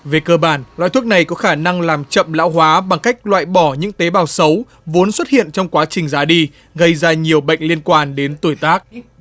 về cơ bản loại thuốc này có khả năng làm chậm lão hóa bằng cách loại bỏ những tế bào xấu vốn xuất hiện trong quá trình già đi gây ra nhiều bệnh liên quan đến tuổi tác